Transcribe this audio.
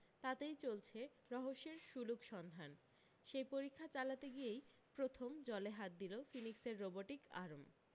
তাতেই চলছে রহস্যের সুলুক সন্ধান সেই পরীক্ষা চালাতে গিয়েই প্রথম জলে হাত দিল ফিনিক্সের রোবোটিক আরম